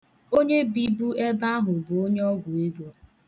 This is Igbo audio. Onye bibu ebea bụ onye ọgwụego.